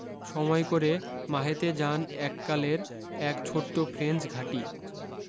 সময় করে মাহেতে যান এককালের এক ছোট্ট ফ্রেঞ্চ ঘাঁটি